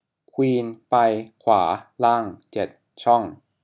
ควีนไปขวาล่างเจ็ดช่อง